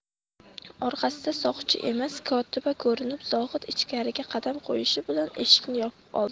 orqasida soqchi emas kotiba ko'rinib zohid ichkariga qadam qo'yishi bilan eshikni yopib oldi